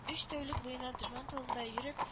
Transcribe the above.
Өч тәүлек буена дошман тылында йөреп